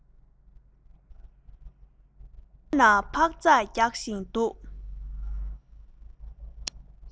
རྭ ཅོ རྣོན པོས ངའི ཕོ བ ལ བསྣུན བཞིན འདུག